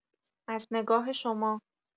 از نگاه شما